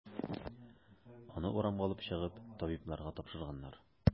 Аны урамга алып чыгып, табибларга тапшырганнар.